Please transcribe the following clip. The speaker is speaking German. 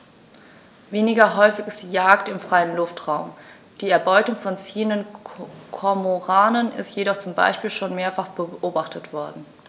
Weniger häufig ist die Jagd im freien Luftraum; die Erbeutung von ziehenden Kormoranen ist jedoch zum Beispiel schon mehrfach beobachtet worden.